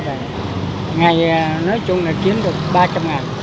ngày à nói chung là kiếm được ba trăm ngàn